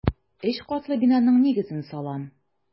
Өч катлы бинаның нигезен салам.